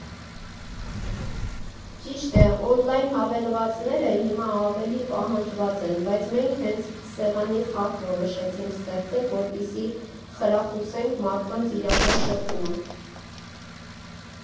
Ճիշտ է, օնլայն հավելվածները հիմա ավելի պահանջված են, բայց մենք հենց սեղանի խաղ որոշեցինք ստեղծել, որպեսզի խրախուսենք մարդկանց իրական շփումը։